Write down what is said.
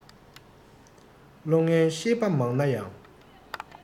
བློ ངན ཤེས པ མང ན ཡང